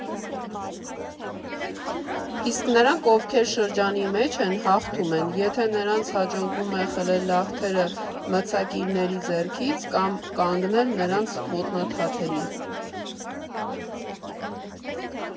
Իսկ նրանք, ովքեր շրջանի մեջ են, հաղթում են, եթե նրանց հաջողվում է խլել լախտերը մրցակիցների ձեռքից կամ կանգնել նրանց ոտնաթաթերին։